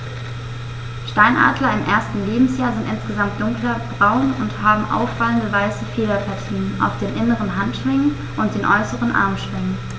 Steinadler im ersten Lebensjahr sind insgesamt dunkler braun und haben auffallende, weiße Federpartien auf den inneren Handschwingen und den äußeren Armschwingen.